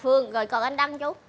phương rồi còn anh đăng chú